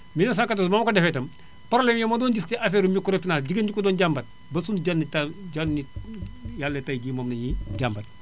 1914 ba ma ko defee itam problème ya ma doon gis ci affaire u microfinance jigéen du ko doon jàmbat ba suñu jonn te jonn yàlla tey jii moom la ñuy jàmbat